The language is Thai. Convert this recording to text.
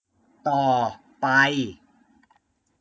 ต่อไป